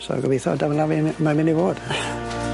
So gobeithio daw 'na fe ne- mae myn' i fod.